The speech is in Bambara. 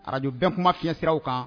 Araj bɛɛ kuma fiɲɛsiraw kan